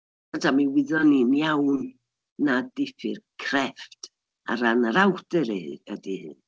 'Wan ta, mi wyddwn ni'n iawn nad diffyg crefft ar ran yr awdur y- ydi hi.